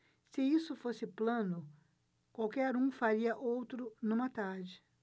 se isso fosse plano qualquer um faria outro numa tarde